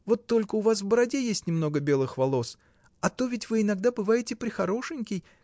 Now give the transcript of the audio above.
— Вот только у вас в бороде есть немного белых волос, а то ведь вы иногда бываете прехорошенький.